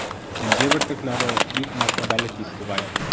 “энҗе бөртекләре” - бик мәртәбәле фестиваль.